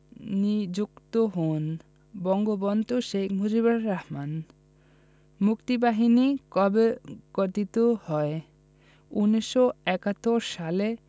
নিযুক্ত হন বঙ্গবন্ধু শেখ মুজিবুর রহমান মুক্তিবাহিনী কবে গঠিত হয় ১৯৭১ সালের